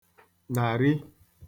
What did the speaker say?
nàrị